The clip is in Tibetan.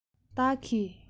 བདག གིས